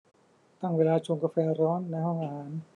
ตั้งเวลาชงกาแฟร้อนในห้องอาหาร